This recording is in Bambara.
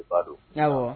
Fa naamuɔ